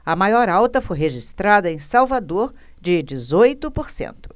a maior alta foi registrada em salvador de dezoito por cento